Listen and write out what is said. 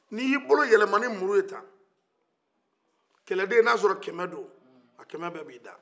ni i ye i bolo yɛlɛma ni npamuru ye tan kɛlɛden nin o y'a sɔrɔ ni kɛmɛ don a kɛmɛ bɛɛ bɛ a da